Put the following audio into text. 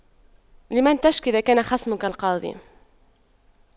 لمن تشكو إذا كان خصمك القاضي